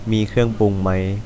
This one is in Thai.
มีเครื่องปรุงไหม